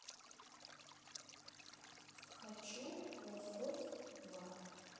хочу лосось два